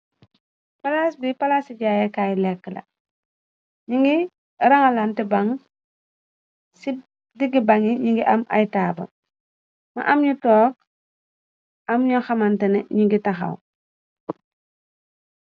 Palaas bi palaas ci jaayakaay lekk la ñi ngi rangalante baŋg. Ci digg baŋgi ñi ngi am ay taabul mu am ñu toog am ñyo xamantena ñu ngi taxaw.